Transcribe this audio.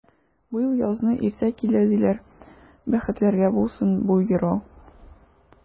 Быел язны иртә килә, диләр, бәхетләргә булсын бу юрау!